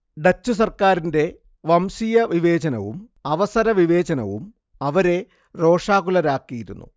Dutch സർക്കാരിന്റെ വംശീയവിവേചനംവും അവസരവിവേചനവും അവരെ രോഷാകുലരാക്കിയിരുന്നു